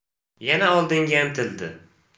yana oldinga intildi